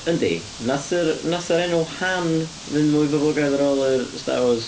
Yndi. Wnaeth yr wnaeth yr enw Han fynd mwy boblogaidd ar ôl yr Star Wars?